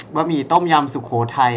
บะหมี่ต้มยำสุโขทัย